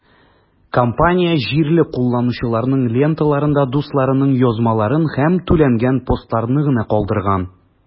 Компания җирле кулланучыларның ленталарында дусларының язмаларын һәм түләнгән постларны гына калдырган.